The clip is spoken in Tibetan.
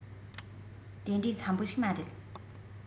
དེ འདྲའི འཚམས པོ ཞིག མ རེད